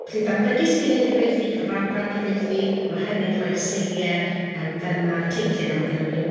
Felly datblygu sgiliau cyfieithu, cyfarpar cyfieithu, mae hynny'n rhoi'r seiliau fel mae'r teitlau'n awgrymu.